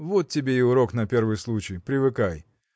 – Вот тебе и урок на первый случай – привыкай.